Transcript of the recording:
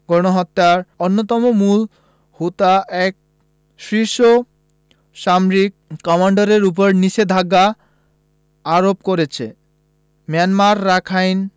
গণহত্যার অন্যতম মূল হোতা এক শীর্ষ সামরিক কমান্ডারের ওপর নিষেধাজ্ঞা আরোপ করেছে মিয়ানমার রাখাইন